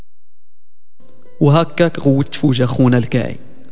وهك كوج اخونا الكاي